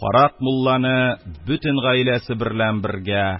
Карак мулланы бөтен гаиләсе берлән бергә